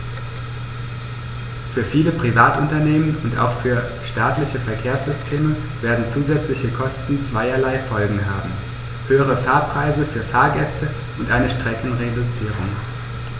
Für viele Privatunternehmen und auch für staatliche Verkehrssysteme werden zusätzliche Kosten zweierlei Folgen haben: höhere Fahrpreise für Fahrgäste und eine Streckenreduzierung.